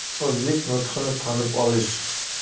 o'zbek nutqini tanib olish